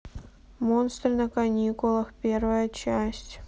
монстры на каникулах первая часть